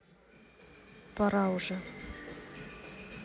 пора уже